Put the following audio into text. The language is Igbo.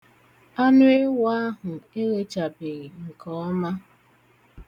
Anụewu ahụ eghechabeghị nke ọma.